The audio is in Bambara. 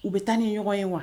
U bɛ taa ni ɲɔgɔn ye wa